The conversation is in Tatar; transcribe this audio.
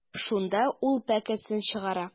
Шунда ул пәкесен чыгара.